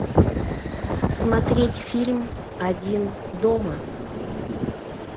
смотреть фильм один дома